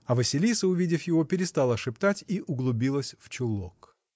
А Василиса, увидев его, перестала шептать и углубилась в чулок.